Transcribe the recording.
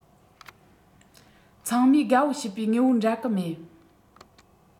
ཚང མས དགའ པོ བྱེད པའི དངོས པོ འདྲ གི མེད